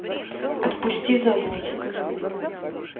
отпусти зовут